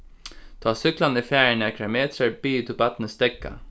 tá súkklan er farin nakrar metrar biður tú barnið steðga